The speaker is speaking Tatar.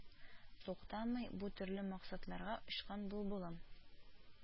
Туктамый, бу төрле максатларга очкан былбылым